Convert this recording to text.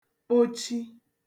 kpochi